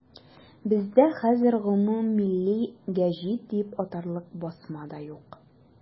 Бездә хәзер гомуммилли гәҗит дип атарлык басма да юк.